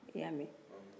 i y' a mɛn